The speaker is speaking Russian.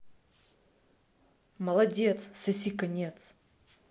молодец соси конец